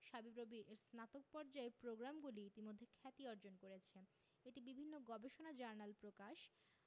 সাবিপ্রবি এর স্নাতক পর্যায়ের প্রগ্রামগুলি ইতোমধ্যে খ্যাতি অর্জন করেছে এটি বিভিন্ন গবেষণা জার্নাল প্রকাশ